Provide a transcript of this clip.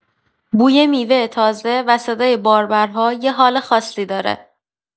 بوی میوه تازه و صدای باربرها یه حال خاصی داره.